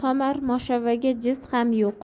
moshobaga jiz ham yo'q